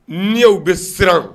N'i y' bɛ siran